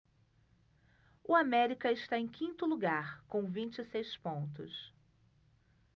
o américa está em quinto lugar com vinte e seis pontos